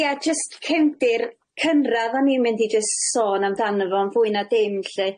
ie jyst cefndir cynradd o'n i'n mynd i jyst sôn amdano fo yn fwy na dim lly.